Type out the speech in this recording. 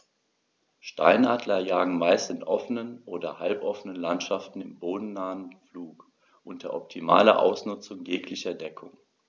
Steinadler jagen meist in offenen oder halboffenen Landschaften im bodennahen Flug unter optimaler Ausnutzung jeglicher Deckung.